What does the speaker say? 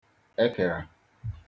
ekera